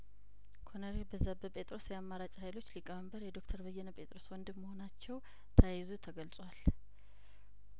ኮሎኔል በዛብህ ጴጥሮስ የአማራጭ ሀይሎች ሊቀመንበር የዶክተር በየነ ጴጥሮስ ወንድም መሆናቸው ተያይዞ ተገልጿል